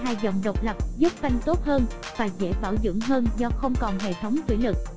điều khiển dòng độc lập giúp phanh tốt hơn và dễ bảo dương hơn do không còn hệ thống thủy lực